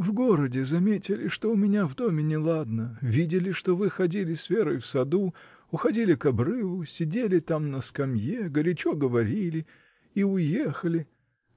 — В городе заметили, что у меня в доме неладно: видели, что вы ходили с Верой в саду, уходили к обрыву, сидели там на скамье, горячо говорили и уехали,